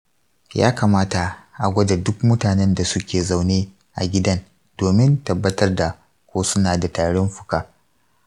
ya kamata a gwada duk mutanen da suke zaune a gidan domin tabbatar da ko suna da tarin fuka.